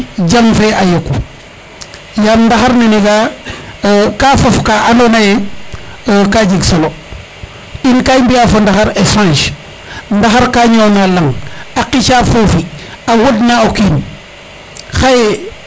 jam fe a yoku yam ndaxr nen o ga' a ka fof ka ando naye ka jeg solo in ka i mbiya fo ndaxar échange ndaxar ka ñowna laŋa qica fofi a wodna o kiin xaye